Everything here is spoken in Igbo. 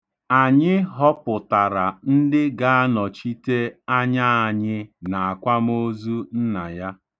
Anyị họpụtara ndị ga-anochite anya anyị n'akwamozu nna ya.